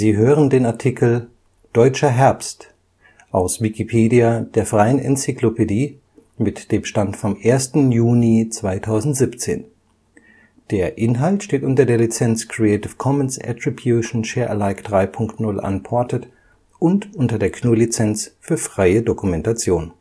hören den Artikel Deutscher Herbst, aus Wikipedia, der freien Enzyklopädie. Mit dem Stand vom Der Inhalt steht unter der Lizenz Creative Commons Attribution Share Alike 3 Punkt 0 Unported und unter der GNU Lizenz für freie Dokumentation